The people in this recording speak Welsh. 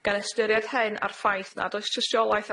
Gan ystyried hyn a'r ffaith nad oes trystiolaeth